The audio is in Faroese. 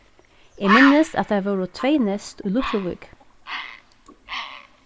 eg minnist at tað vóru tvey neyst í lítluvík